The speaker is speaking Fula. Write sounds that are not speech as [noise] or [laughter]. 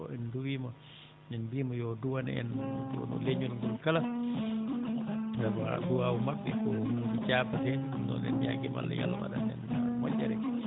en duwiima min mbiyii mo yo o duwano en o duwano leñol ngol kala [hesitation] duwaw maɓɓe koko jaabate ɗum noon en ñaagiima Allah yo Allah waɗan en moƴƴere